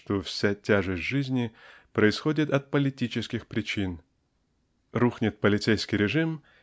что вся тяжесть жизни происходит от политических причин рухнет полицейский режим